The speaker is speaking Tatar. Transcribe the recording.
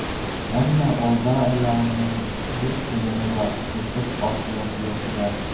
Әмма алда әле аның бик кыены бар - Йосыф карт белән сөйләшүләр.